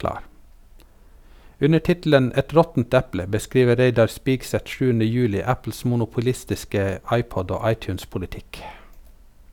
Under tittelen "Et råttent eple" beskriver Reidar Spigseth 7. juli Apples monopolistiske iPod- og iTunes-politikk.